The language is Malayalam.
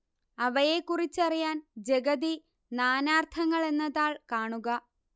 അവയെക്കുറിച്ചറിയാന് ജഗതി നാനാര്ത്ഥങ്ങള് എന്ന താൾ കാണുക